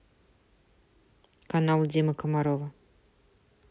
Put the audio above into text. канал димы комарова